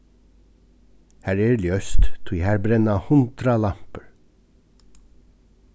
har er ljóst tí har brenna hundrað lampur